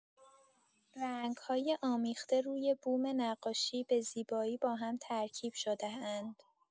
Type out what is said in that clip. رنگ‌های آمیخته روی بوم نقاشی به زیبایی با هم ترکیب شده‌اند.